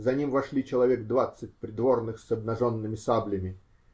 За ним вошли человек двадцать придворных с обнаженными саблями.